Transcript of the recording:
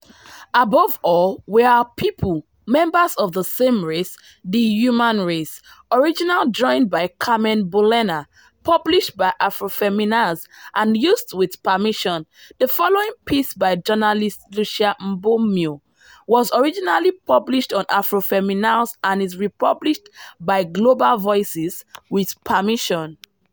Above all, we are people, members of the same race, the human race.” Original drawing by Carmen Bolena, published by Afroféminas and used with permission. The following piece by journalist Lucía Mbomío was originally published on Afroféminas and is republished by Global Voices with permission.